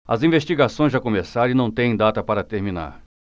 as investigações já começaram e não têm data para terminar